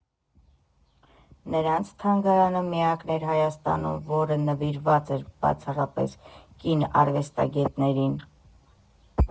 Նրանց թանգարանը միակն է Հայաստանում, որ նվիրված է բացառապես կին արվեստագետներին։